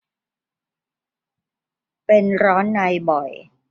เป็นร้อนในบ่อย